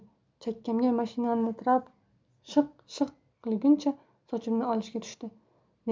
chakkamga mashinani tirab shiq shiq qilgancha sochimni olishga tushdi